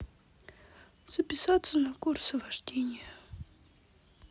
записаться на курсы вождения